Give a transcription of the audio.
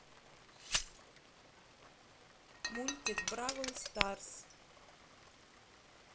мультик бравл старс